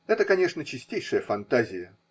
Это, конечно, чистейшая фантазия.